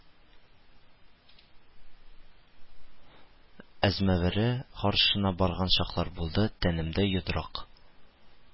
Әзмәвере каршына барган чаклар булды, тәнемдә йодрык